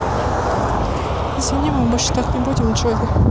извини мы больше так не будем джой